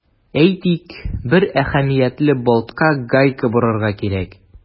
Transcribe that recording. Әйтик, бер әһәмиятле болтка гайка борырга кирәк.